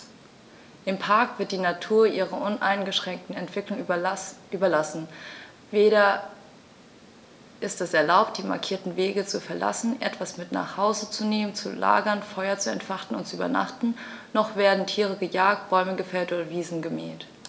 Im Park wird die Natur ihrer uneingeschränkten Entwicklung überlassen; weder ist es erlaubt, die markierten Wege zu verlassen, etwas mit nach Hause zu nehmen, zu lagern, Feuer zu entfachen und zu übernachten, noch werden Tiere gejagt, Bäume gefällt oder Wiesen gemäht.